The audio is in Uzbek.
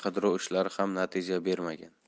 qidiruv ishlari ham natija bermagan